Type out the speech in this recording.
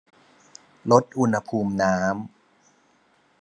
ลดอุณหภูมิน้ำ